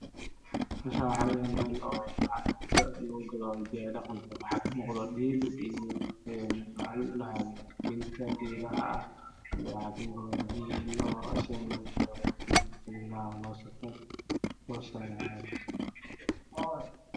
Meeshaan waa meel lugu gado dharka hidiyo dhaqanka waa dhiil iyo geel,